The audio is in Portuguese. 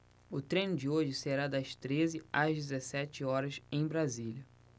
o treino de hoje será das treze às dezessete horas em brasília